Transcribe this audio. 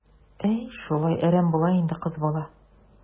Әй, шулай әрәм була инде кыз бала.